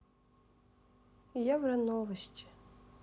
евро новости